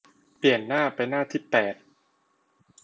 เปลี่ยนหน้าไปหน้าที่แปด